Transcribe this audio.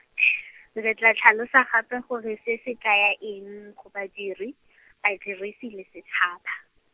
re tla tlhalosa gape gore se se kaya eng go badiri, badirisi le setšhaba.